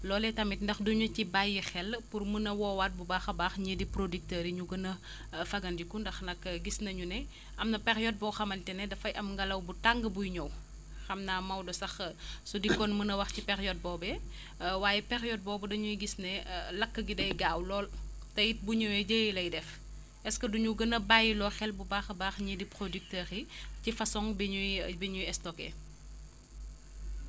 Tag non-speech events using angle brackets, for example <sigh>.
loolee tamit ndax duñu ci bàyyi xel pour mun a woowaat bu baax a baax ñii di producteurs yi ñu gën a <breath> fagandiku ndax nag gis nañu ne am na période boo xamante ne dafay am ngalaw bu tàng buy ñëw xam naa Maoda sax <breath> <coughs> su dikkoon mën a wax ci période boobee <breath> waaye période boobu dañuy gis ne <hesitation> lakk gi day gaaw lool te it bu ñëwee jéya lay def est ce que du ñu gën a bàyyiloo xel bu baax a baax ñii di producteurs yi ci façon bi ñuy bi ñuy stocké